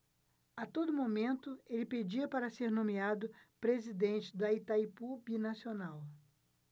a todo momento ele pedia para ser nomeado presidente de itaipu binacional